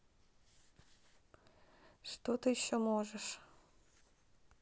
что ты еще можешь